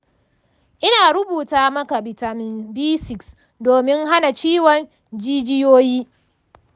ina rubuta maka bitamin b6 domin hana ciwon jijiyoyi.